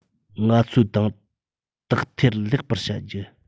ང ཚོའི ཏང དག ཐེར ལེགས པར བྱ རྒྱུ